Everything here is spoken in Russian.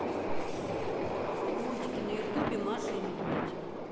мультики на ютубе маша и медведь